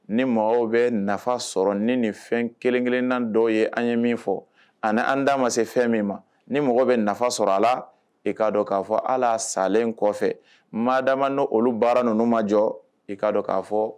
Ni mɔgɔw bɛ nafa sɔrɔ ni ni fɛn kelen-kelenna dɔ ye an ye min fɔ ani an da ma se fɛn min ma ni mɔgɔw bɛ nafa sɔrɔ a la k kaa dɔn k'a fɔ ala salen kɔfɛ madama ni olu baara ninnu ma jɔ i kaa dɔn ka fɔ